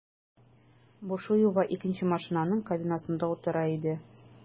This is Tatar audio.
Бушуева икенче машинаның кабинасында утыра иде.